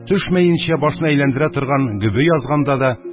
Төшмәенчә башны әйләндерә торган гөбе язганда да,